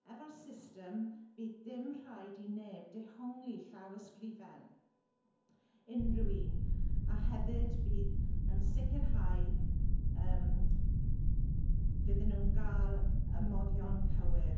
Efo'r system bydd dim rhaid i neb dehongli llawysgrifen unrhyw un, a hefyd bydd yn sicrhau yym fyddan nhw'n gael y moddion cywir.